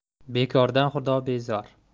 bekordan xudo bezor